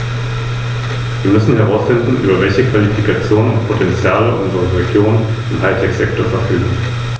Die Abstimmung findet morgen um 12.00 Uhr statt.